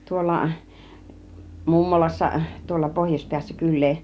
tuolla mummolassa tuolla pohjoispäässä kylää